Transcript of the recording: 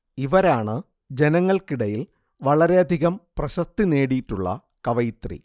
ഇവരാണ് ജനങ്ങൾക്കിടയിൽ വളരെയധികം പ്രശസ്തി നേടിയിട്ടുള്ള കവയിത്രി